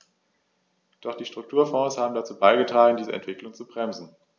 Doch die Strukturfonds haben dazu beigetragen, diese Entwicklung zu bremsen.